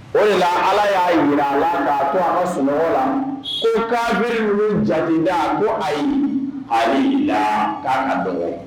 O de ala y'a jira a la nka ko an sun la ko k'a bɛri ja da ko ayi a la k'a ka dɔgɔ